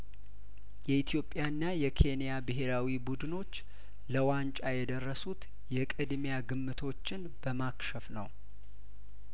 የኢትዮጵያ ና የኬንያ ብሄራዊ ቡድኖች ለዋንጫ የደረሱት የቅድሚያ ግምቶችን በማክሸፍ ነው